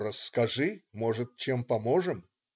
"Расскажи, может, чем поможем.